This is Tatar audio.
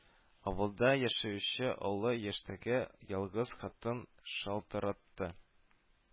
Авылда яшәүче олы яшьтәге ялгыз хатын шалтыратты